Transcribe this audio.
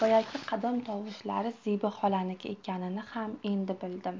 boyagi qadam tovushlari zebi xolaniki ekanini ham endi bildim